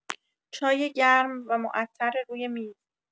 چای گرم و معطر روی میز